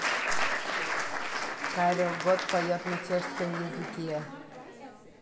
карел готт поет на чешском языке